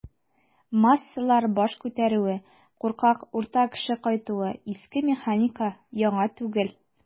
"массалар баш күтәрүе", куркак "урта кеше" кайтуы - иске механика, яңа түгел.